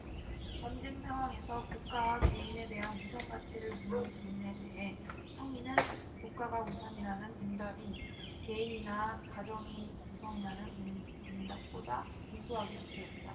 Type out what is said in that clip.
전쟁 상황에서 국가와 개인에 대한 우선가치를 묻는 질문에 대해 성인은 국가가 우선이라는 응답이 개인이나 가정이 우선이라는 응답보다 근소하게 우세했다